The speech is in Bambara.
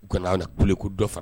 U kana'aw kole ko dɔ fana